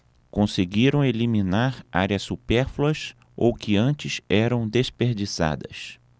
conseguiram eliminar áreas supérfluas ou que antes eram desperdiçadas